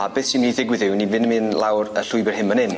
A beth sy myn' i ddigwydd yw ni fyn' i mynd lawr y llwybyr hyn man 'yn.